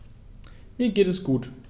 Mir geht es gut.